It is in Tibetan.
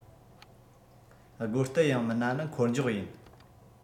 སྒོ གཏད ཡང མིན ན ནི འཁོར འཇོག ཡིན